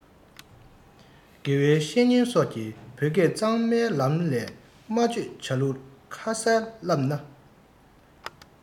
དགེ བའི བཤེས གཉེན སོགས ཀྱི བོད སྐད གཙང མའི ལམ ལས སྨྲ བརྗོད བྱ ལུགས ཁ གསལ བསླབ ནས